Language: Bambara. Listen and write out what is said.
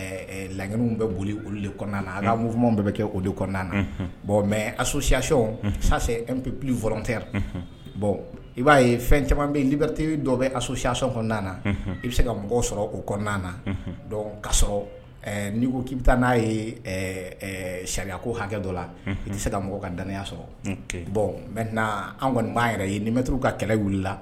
Lagniw bɛ boli olu de na n'muw bɛɛ bɛ kɛ o de kɔnɔna na bon mɛ ayasiɔn sap f tɛ i b'a ye fɛn caman bɛ bite dɔ bɛ ayatiɔn kɔnɔna na i bɛ se ka mɔgɔw sɔrɔ o kɔnɔna na ka sɔrɔ n'i ko k'i bɛ taa n'a ye sariyako hakɛ dɔ la i tɛ se ka mɔgɔ katananiya sɔrɔ bɔn mɛ n na an kɔni' yɛrɛ ye ni bɛ t ka kɛlɛ wili